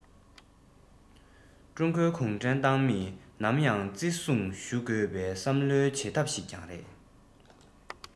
ཀྲུང གོའི གུང ཁྲན ཏང མིས ནམ ཡང བརྩི སྲུང ཞུ དགོས པའི བསམ བློའི བྱེད ཐབས ཤིག ཀྱང རེད